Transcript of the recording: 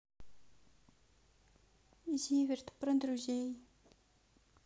зиверт про друзей